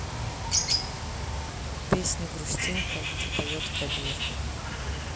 песня грустинка где поет кабир